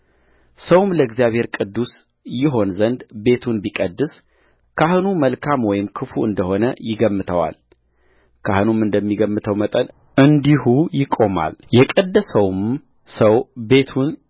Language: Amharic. ሰውም ለእግዚአብሔር ቅዱስ ይሆን ዘንድ ቤቱን ቢቀድስ ካህኑ መልካም ወይም ክፉ እንደ ሆነ ይገምተዋል ካህኑም እንደሚገምተው መጠን እንዲሁ ይቆማልየቀደሰውም ሰው ቤቱን